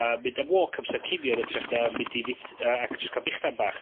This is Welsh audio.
A myd am walk amser cinio yn ytrach na mynd i fit-, yy ac jyst ca'l brechdan bach.